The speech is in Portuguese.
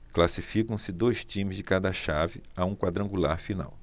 classificam-se dois times de cada chave a um quadrangular final